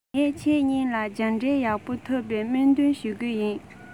ངས ཁྱེད གཉིས ལ སྦྱངས འབྲས ཡག པོ ཐོབ པའི སྨོན འདུན ཞུ གི ཡིན